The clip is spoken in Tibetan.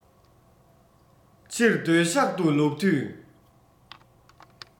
ཕྱིར སྡོད ཤག ཏུ ལོག དུས